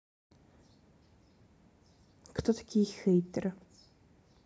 кто такие хейтеры